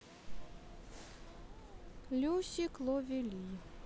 люсик ловели